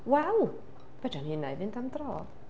Wel, fedra ni un ai fynd am dro.